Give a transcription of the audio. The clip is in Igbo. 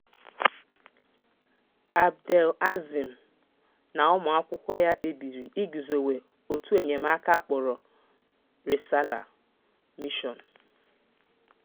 Abdel-Azim na ụmụ akwụkwọ ya kpebiri iguzowe òtù enyemaka akpọrọ Resala (Mission).